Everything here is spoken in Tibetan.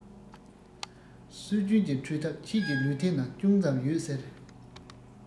སྲོལ རྒྱུན གྱི འཕྲུལ ཐབས ཁྱེད ཀྱི ལུས སྟེང ན ཅུང ཙམ ཡོད ཟེར